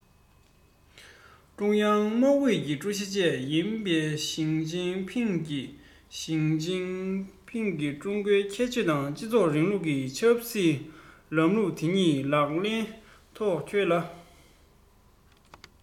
ཀྲུང དབྱང དམག ཨུད ཀྱི ཀྲུའུ ཞི བཅས ཡིན པའི ཞིས ཅིན ཕིང གིས ཞིས ཅིན ཕིང གིས ཀྲུང གོའི ཁྱད ཆོས ཀྱི སྤྱི ཚོགས རིང ལུགས ཀྱི ཆབ སྲིད ལམ ལུགས དེ ཉིད ལག ལེན ཐོག འཁྱོལ བ དང